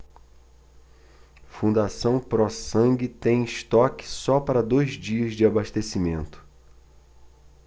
fundação pró sangue tem estoque só para dois dias de abastecimento